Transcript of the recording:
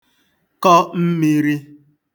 kọ mmīrī